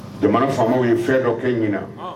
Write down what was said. Jamana faamaw ye fɛn dɔ kɛ ɲin